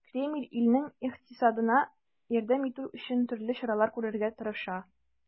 Кремль илнең икътисадына ярдәм итү өчен төрле чаралар күрергә тырыша.